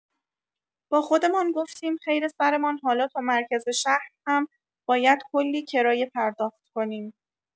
با خودمان گفتیم خیر سرمان حالا تا مرکز شهر هم باید کلی کرایه پرداخت کنیم.